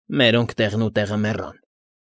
Մերոնք տեղնուտեղը մեռան։